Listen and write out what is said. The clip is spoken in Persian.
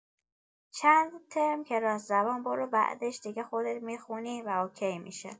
چند ترم کلاس زبان برو بعدش دیگه خودت می‌خونی و اوکی می‌شه